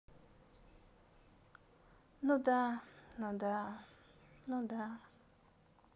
ну да ну да ну да